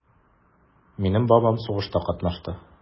Минем бабам сугышта катнашты.